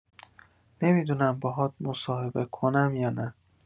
نمی‌دونم باهات مصاحبه کنم یا نه.